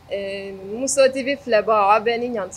Ɛɛ musodibi filɛbɔ aw bɛ ni ɲ